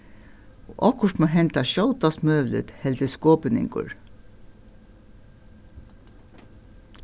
og okkurt má henda skjótast møguligt heldur skopuningur